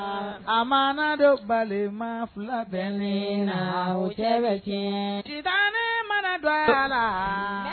A mana don balima 2 bɛnnen la o cɛ bɛ cɛn, sitanɛ mana don a la